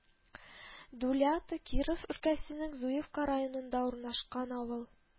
Дулята Киров өлкәсенең Зуевка районында урнашкан авыл